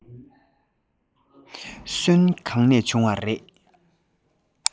སོན གང ནས བྱུང བ རེད